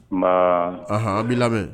Ma ahaɔnan' labɛn